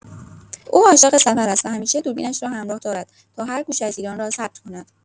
او عاشق سفر است و همیشه دوربینش را همراه دارد تا هر گوشه از ایران را ثبت کند.